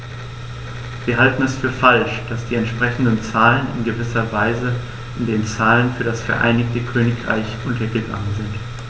Wir halten es für falsch, dass die entsprechenden Zahlen in gewisser Weise in den Zahlen für das Vereinigte Königreich untergegangen sind.